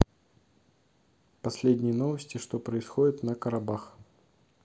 последние новости что происходит на карабах